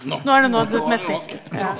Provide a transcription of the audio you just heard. nå trudde eg.